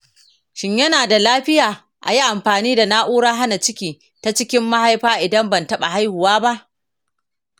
shin yana da lafiya a yi amfani da na’urar hana ciki ta cikin mahaifa idan ban taɓa haihuwa ba?